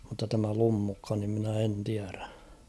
mutta tämä Lummukka niin minä en tiedä